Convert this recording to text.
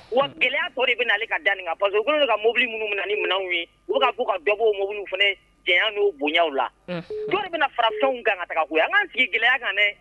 Wa gɛlɛya kɔrɔ bɛale ka danani ka pa u koolu ka mobili minnu ni minɛnanw u ka k'u ka dɔbawmbili fana gɛlɛya n'u bonyaw la dɔw bɛna fara fɛnw kan taga yan ka sigi gɛlɛya kan dɛ